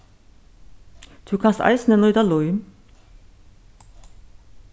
tú kanst eisini nýta lím